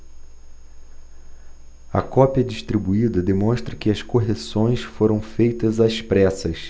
a cópia distribuída demonstra que as correções foram feitas às pressas